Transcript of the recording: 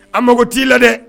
A mago t'i la dɛ